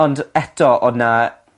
...ond eto odd 'na